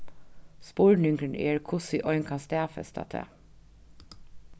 spurningurin er hvussu ein kann staðfesta tað